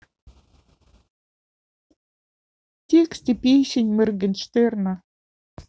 тексты песен моргенштерна